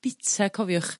bita cofiwch.